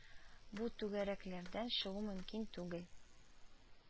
Бу түгәрәкләрдән чыгу мөмкин түгел